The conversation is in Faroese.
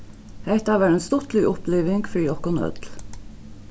hetta var ein stuttlig uppliving fyri okkum øll